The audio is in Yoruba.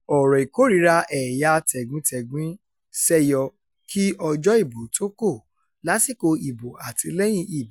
Ọ̀rọ̀ ìkórìíra ẹ̀yà tẹ̀gbintẹ̀gbin ṣẹ́ yọ kí ọjọ́ ìbò ó tó kò, lásìkò ìbò àti lẹ́yìn ìbò.